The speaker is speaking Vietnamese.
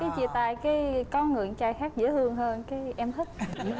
cái chia tay cái có người con trai khác dễ thương hơn cái em thích